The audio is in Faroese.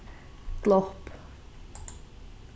glopp